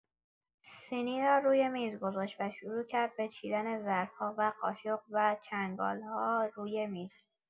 سینی را روی میز گذاشت و شروع کرد به چیدن ظرف‌ها و قاشق و چنگال‌ها روی میز.